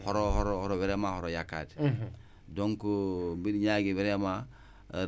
donc